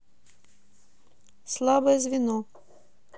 слабое звено